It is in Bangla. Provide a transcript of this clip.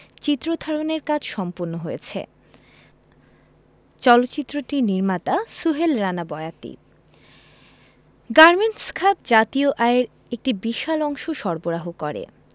চিত্র ধারণের কাজ সম্পন্ন হয়েছে চলচ্চিত্রটির নির্মাতা সোহেল রানা বয়াতি গার্মেন্টস খাত জাতীয় আয়ের একটি বিশাল অংশ সরবারহ করে